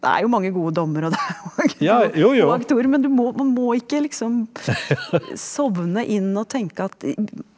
det er jo mange gode dommere og det er jo og aktorer men du må man må ikke liksom sovne inn og tenke at .